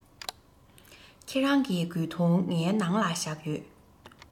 ཁྱེད རང གི གོས ཐུང ངའི ནང ལ བཞག ཡོད